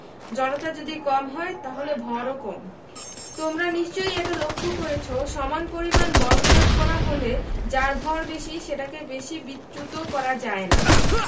জড়তা যদি কম হয় তাহলে ভরও কম তোমরা নিশ্চয়ই এটা লক্ষ করেছ সমান পরিমাণ বল প্রয়োগ করা হলে যার ভর বেশি সেটাকে বেশি বিচ্যুত করা যায় না